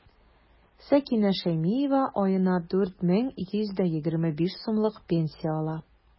Сәкинә Шәймиева аена 4 мең 225 сумлык пенсия ала.